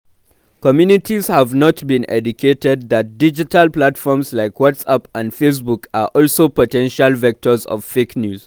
Communities have not been educated that digital platforms like WhatsApp and Facebook are also potentials vectors of fake news.